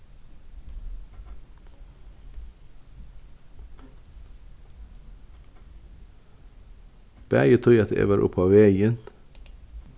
bæði tí at eg var upp á vegin